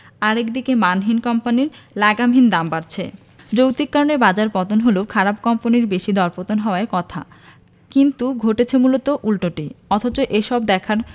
আরেক দিকে মানহীন কোম্পানির লাগামহীন দাম বাড়ছে যৌক্তিক কারণে বাজারে পতন হলে খারাপ কোম্পানিরই বেশি দরপতন হওয়ার কথা কিন্তু ঘটছে মূলত উল্টোটি অথচ এসব দেখার